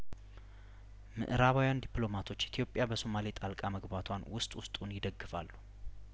ምእራባውያን ዲፕሎማቶች ኢትዮጵያ በሱማሌ ጣልቃ መግባቷን ውስጥ ውስጡን ይደግ ፋሉ